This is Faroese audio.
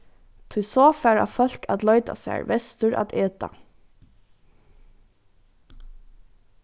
tí so fara fólk at leita sær vestur at eta